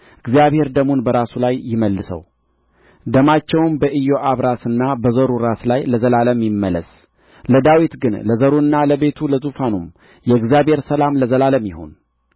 እግዚአብሔር ደሙን በራሱ ላይ ይመልሰው ደማቸውም በኢዮአብ ራስና በዘሩ ራስ ላይ ለዘላለም ይመለስ ለዳዊት ግን ለዘሩና ለቤቱ ለዙፋኑም የእግዚአብሔር ሰላም ለዘላለም ይሁን